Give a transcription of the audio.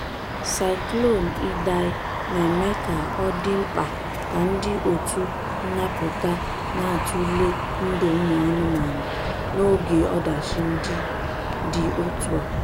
Cyclone Idai na-eme ka ọ dị mkpa ka ndị otu nnapụta na-atụle ndụ ụmụ anụmanụ n'oge ọdachi ndị dị otú a.